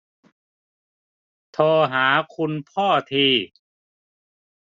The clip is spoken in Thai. โทรหาคุณพ่อที